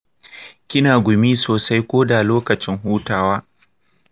kina gumi sosai ko da lokacin hutawa?